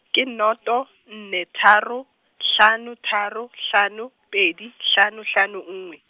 ke noto nne tharo, hlano tharo hlano pedi hlano hlano nngwe.